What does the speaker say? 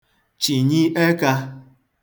chinyi ekā